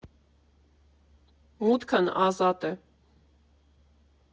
Մուտքն ազատ է։